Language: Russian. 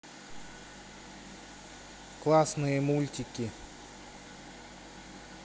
классные мультики